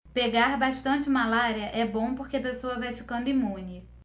pegar bastante malária é bom porque a pessoa vai ficando imune